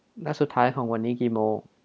นัดสุดท้ายของวันนี้กี่โมง